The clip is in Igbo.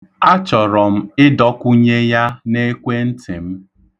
Achọrọ m ịdọkwụnye ya n'ekwentị m.